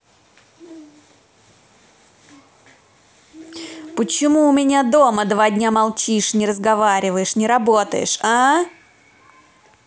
почему у меня дома два дня молчишь не разговариваешь не работаешь а